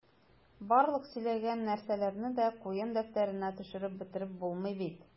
Барлык сөйләнгән нәрсәләрне дә куен дәфтәренә төшереп бетереп булмый бит...